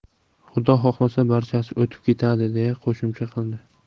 xudo xohlasa barchasi o'tib ketadi deya qo'shimcha qildi